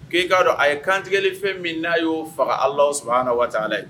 Gɛn'a dɔn a ye kantigɛli fɛn min n'a y'o faga ala s na waati' ye